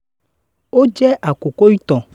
"Ó jẹ́ àkókò ìtàn."